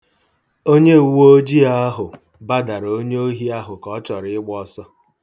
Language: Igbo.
Onye uweojii ahụ badara onye ohi ahụ ka ọ chọrọ ịgba ọsọ.